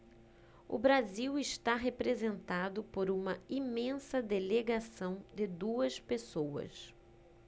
o brasil está representado por uma imensa delegação de duas pessoas